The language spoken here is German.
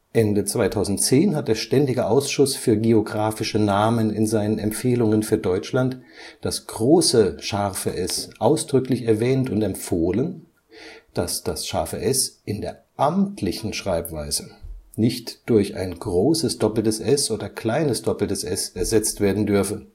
Ende 2010 hat der Ständige Ausschuss für geographische Namen in seinen Empfehlungen für Deutschland das große ẞ ausdrücklich erwähnt und empfohlen, dass das ß „ in der amtlichen Schreibweise “nicht durch SS oder ss ersetzt werden dürfe